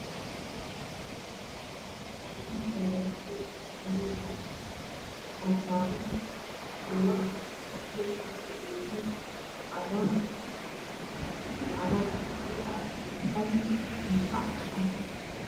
Miis ayaa meeshaan yaala kalarkiisa madow yahay waxaa saaran kuulal kalarkiisa uu yahay cagaar iyo cagaar bibiyo ah iyo qalin oyo bac cadaan ah.